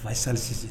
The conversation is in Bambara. Fayisali Sise